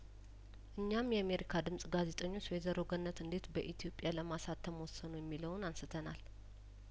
እኛም የአሜሪካ ድምጽ ጋዜጠኞች ወይዘሮ ገነት እንዴት በኢትዮጵያ ለማሳተም ወሰኑ የሚለውን አንስተናል